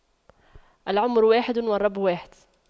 العمر واحد والرب واحد